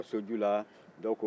n y'aw sɔrɔ soju la